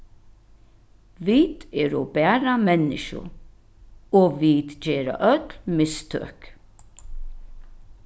vit eru bara menniskju og vit gera øll mistøk